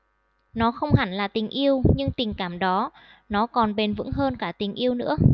nó không hẳn là tình yêu nhưng tình cảm đó nó còn bền vững hơn cả tình yêu nữa